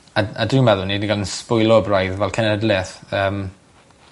A a dwi meddwl ni 'di ga'l 'yn sbwylo braidd fel cenedleth yym